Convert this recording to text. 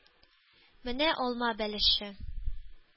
“менә алма бәлеше,